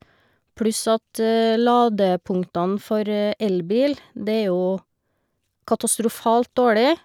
Pluss at ladepunktene for elbil, det er jo katastrofalt dårlig.